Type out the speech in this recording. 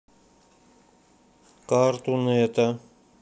cartoon это